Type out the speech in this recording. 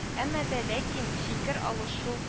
Әмма дә ләкин фикер алышу